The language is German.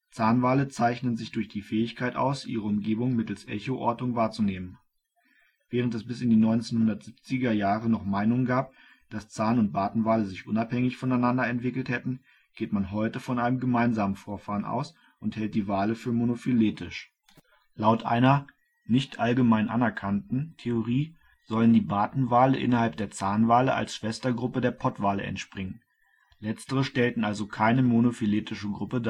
Zahnwale zeichnen sich durch die Fähigkeit aus, ihre Umgebung mittels Echoortung wahrzunehmen. Während es bis in die 1970er Jahre noch Meinungen gab, dass Zahn - und Bartenwale sich unabhängig voneinander entwickelt hätten, geht man heute von einem gemeinsamen Vorfahren aus und hält die Wale für monophyletisch. Laut einer nicht allgemein anerkannten Theorie sollen die Bartenwale innerhalb der Zahnwale als Schwestergruppe der Pottwale entspringen. Letztere stellten also keine monophyletische Gruppe